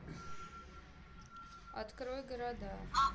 открой города